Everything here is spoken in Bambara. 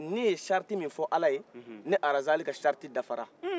ne ye charti min fo ala yen ne arazali ka charti dafara